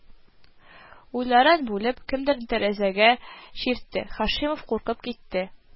Уйларын бүлеп, кемдер тәрәзәгә чиртте, Һашимов куркып китте